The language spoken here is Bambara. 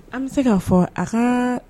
An bɛ se k ka fɔ a ka